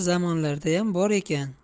zamonlardayam bor ekan